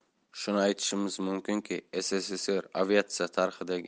shuni aytishimiz mumkinki sssr aviatsiyasi tarixidagi eng